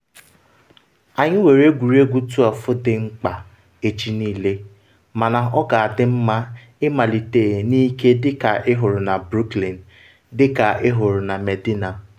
“Anyị nwere egwuregwu 12 dị mkpa echi niile, mana ọ ga-adị mma ịmalite n’ike dịka ịhụrụ na Brookline, dịka ịhụrụ na Medinah.